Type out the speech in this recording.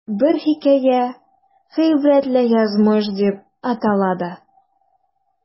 Бер хикәя "Гыйбрәтле язмыш" дип атала да.